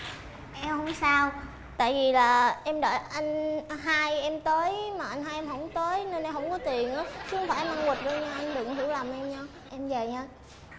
em hông sao tại vì là em đợi anh hai em tới mà anh hai em hổng tới nên em hông có tiền ớ chứ không phải em ăn quỵt nha anh đừng có hiểu nhầm em nha em về nha